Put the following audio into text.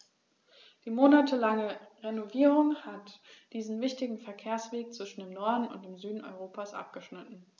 Die monatelange Renovierung hat diesen wichtigen Verkehrsweg zwischen dem Norden und dem Süden Europas abgeschnitten.